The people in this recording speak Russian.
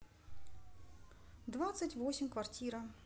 двадцать восемь квартира